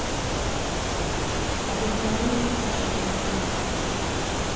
обыкновенный фашизм